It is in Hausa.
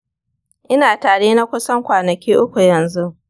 ina tari na kusan kwanaki uku yanzu.